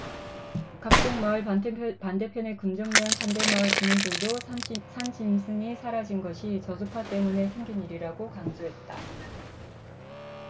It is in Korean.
각동마을 반대편의 금정면 산대마을 주민들도 산짐승이 사라진 것이 저주파 때문에 생긴 일이라고 강조했다